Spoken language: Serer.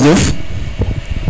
jarejef